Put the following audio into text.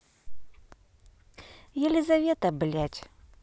елизавета блядь